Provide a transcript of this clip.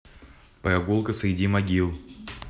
прогулка среди могил